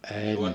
ei -